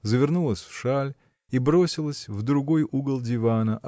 завернулась в шаль и бросилась в другой угол дивана